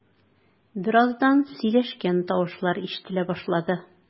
Бераздан сөйләшкән тавышлар ишетелә башлады.